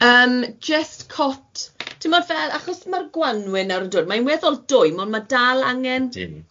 Yym just cot, timod fel, achos ma'r Gwanwyn nawr yn dod, mae'n weddol dwy, ond ma' dal angen